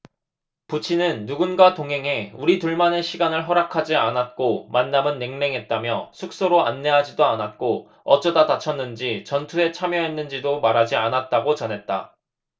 부친은 누군가 동행해 우리 둘만의 시간을 허락하지 않았고 만남은 냉랭했다며 숙소로 안내하지도 않았고 어쩌다 다쳤는지 전투에 참여했는지도 말하지 않았다고 전했다